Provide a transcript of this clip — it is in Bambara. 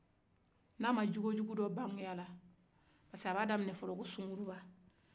ni a ma cogojugu dɔ banke a la o kosɔ a bɛ a damina ko suguruba